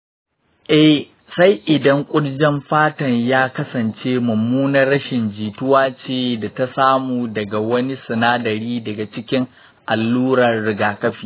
eh, sai idan kurjen fata ya kasance mummunar rashin jituwa ce da ta samu daga wani sinadari daga cikin allurar rigakafi.